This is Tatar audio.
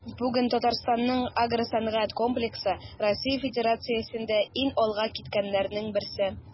Бүген Татарстанның агросәнәгать комплексы Россия Федерациясендә иң алга киткәннәрнең берсе.